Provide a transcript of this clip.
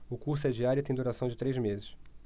o curso é diário e tem duração de três meses